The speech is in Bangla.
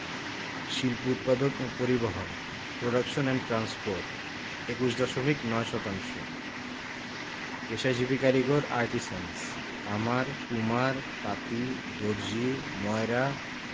শিল্প উৎপাদন ও পরিবহণ প্রোডাকশন এন্ড ট্রান্সপোর্ট ২১ দশমিক ৯ শতাংশ পেশাজীবী কারিগর আর্টিসেন্স কামার কুমার তাঁতি দর্জি ময়রা